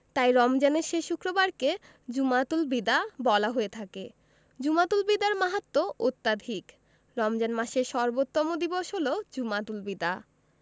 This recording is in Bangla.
তাই রমজানের শেষ শুক্রবারকে জুমাতুল বিদা বলা হয়ে থাকে জুমাতুল বিদার মাহাত্ম্য অত্যধিক রমজান মাসের সর্বোত্তম দিবস হলো জুমাতুল বিদা